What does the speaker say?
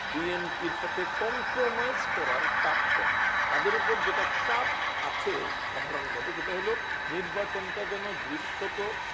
বিএনপির সাথে কম্প্রোমাইজ করার চাপ কম তাদের উপর যেটা চাপ আছে সাধারণভাবে সেটা হলো নির্বাচন টা যেন দৃশ্যত